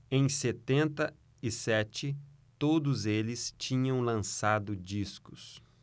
em setenta e sete todos eles tinham lançado discos